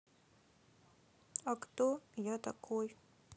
а кто я такой